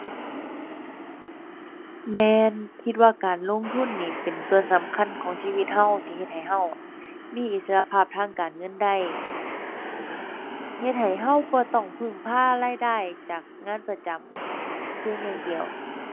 แม่น คิดว่าการลงทุนนี่เป็นส่วนสำคัญของชีวิตเรา ที่เฮ็ดให้เราอะ มีอิสระภาพทางการเงินได้ เฮ็ดให้เราบ่ต้องพึ่งพารายได้จากงานประจำเพียงอย่างเดียว